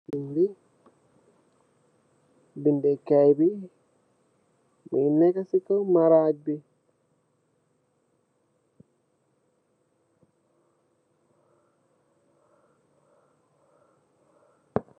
Bindeh kaiye bi mungeh neka si kaw maraj bi .